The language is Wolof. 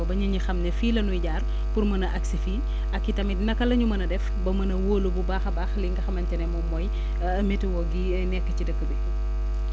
ba nit ñi xam ne fii la ñuy jaar pour mën a àgg si fii ak itamit naka la ñu mën a def ba mën a wóolu bu baax a baax li nga xamante ne moom mooy météo gii nekk ci dëkk bi